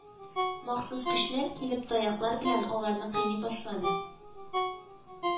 Махсус көчләр килеп таяклар белән аларны кыйный башлады